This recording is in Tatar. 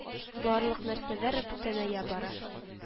Барлык нәрсә бүтәнәя бара